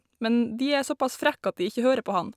Men de er såpass frekk at de ikke hører på han.